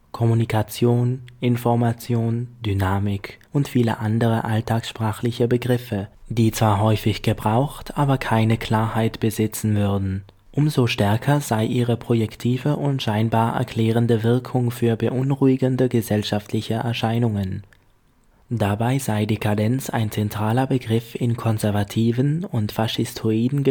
Kommunikation, Information, Dynamik und viele andere alltagssprachliche Begriffe, die zwar häufig gebraucht, aber keine Klarheit besitzen würden. Umso stärker sei ihre projektive und scheinbar erklärende Wirkung für beunruhigende gesellschaftliche Erscheinungen. Dabei sei Dekadenz ein zentraler Begriff in konservativen und faschistoiden